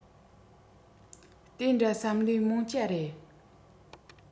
དེ འདྲ བསམ ལེ མོང ཅ རེད